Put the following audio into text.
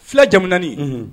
Fula jamana